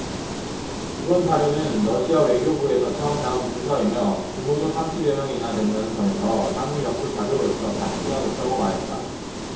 이번 자료는 러시아 외교부에서 처음 나온 문서이며 규모도 삼십 여 명이나 된다는 점에서 향후 연구 자료로서 가치가 높다고 말했다